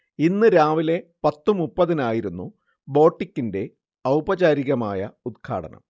ഇന്ന് രാവിലെ പത്ത് മുപ്പതിനായിരുന്നു ബൊട്ടിക്കിന്റെ ഔപചാരികമായ ഉദ്ഘാടനം